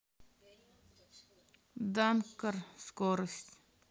данкар скорость